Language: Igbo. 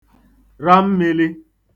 ra mmīlī